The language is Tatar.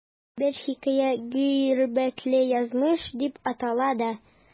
Бер хикәя "Гыйбрәтле язмыш" дип атала да.